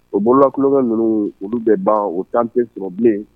O bolola tulokɛ ninnu olu bɛɛ ban o tante sunbilen